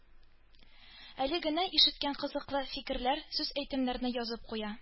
Әле генә ишеткән кызыклы фикерләр, сүз-әйтемнәрне язып куя